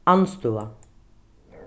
andstøða